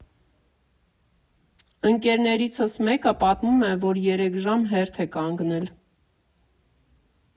Ընկերնիցս մեկը պատմում է, որ երեք ժամ հերթ է կանգնել։